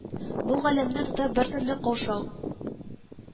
Бу галәмне тота бертөрле каушау